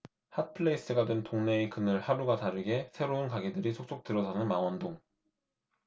핫 플레이스가 된 동네의 그늘 하루가 다르게 새로운 가게들이 속속 들어서는 망원동